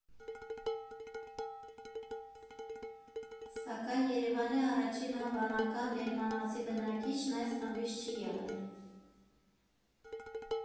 Սակայն Երևանի առաջին հավանական գերմանացի բնակիչն այս խմբից չի եղել։